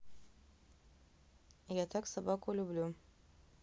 я так собаку люблю